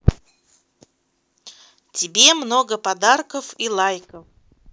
тебе много подарков и лайков